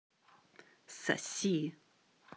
соси